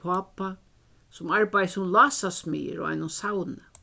sum arbeiðir sum lásasmiður á einum savni